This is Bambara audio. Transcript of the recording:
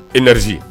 I naz